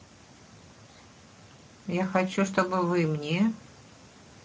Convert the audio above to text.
я хочу чтобы вы мне